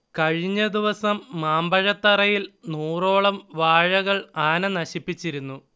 കഴിഞ്ഞദിവസം മാമ്പഴത്തറയിൽ നൂറോളം വാഴകൾ ആന നശിപ്പിച്ചിരുന്നു